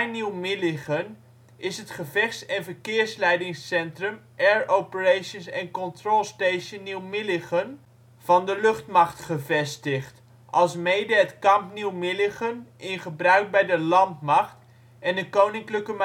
Nieuw-Milligen is het gevechts - en verkeersleidingscentrum Air Operations and Control Station Nieuw-Milligen van de Luchtmacht gevestigd, alsmede het Kamp Nieuw-Milligen in gebruik bij de Landmacht en de Koninklijke